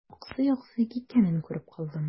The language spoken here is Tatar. Аксый-аксый киткәнен күреп калдым.